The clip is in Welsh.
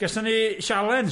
Geson ni sialens.